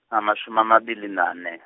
amashumi amabili nane.